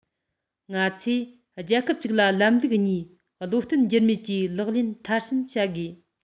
ང ཚོས རྒྱལ ཁབ གཅིག ལ ལམ ལུགས གཉིས བློ བརྟན འགྱུར མེད ཀྱིས ལག ལེན མཐར ཕྱིན བྱ དགོས